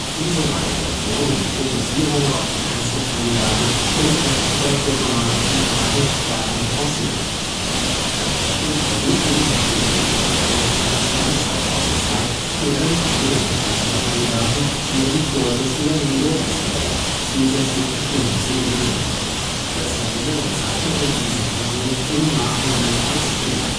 diese Weise wurde die Fokussierung auf die Kanzlerkandidaten und weg von programmatischen Fragen weiter forciert. Entsprechend versuchte die FDP bei der Bundestagswahl 2002, mit einem eigenen Kanzlerkandidaten, ihrem Vorsitzenden Guido Westerwelle, zusätzliche Stimmen zu gewinnen. Westerwelle bezeichnete diesen Versuch im Nachhinein als Fehler